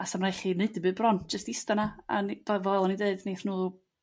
A s'am rai chi neud dim byd bron jyst ista 'na a ni- d- fel o'n i'n deu' neith nhw